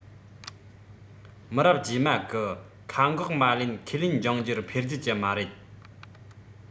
མི རབས རྗེས མ གི མཁའ འགོག མ ལག ཁས ལེན འབྱུང འགྱུར འཕེལ རྒྱས ཀྱི མ རེད